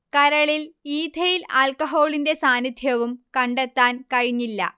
കരളിൽ ഈഥെയ്ൽ ആൽക്കഹോളിന്റെ സാന്നിധ്യവും കണ്ടെത്താൻ കഴിഞ്ഞില്ല